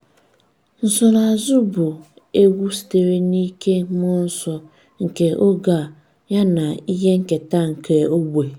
Nsonaazụ bụ egwu sitere n'ike mmụọ nsọ nke oge a yana ihe nketa nke ogbe.